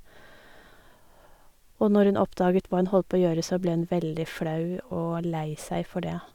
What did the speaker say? Og når hun oppdaget hva hun holdt på å gjøre, så ble hun veldig flau og lei seg for det.